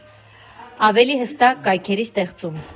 Ավելի հստակ՝ կայքերի ստեղծում։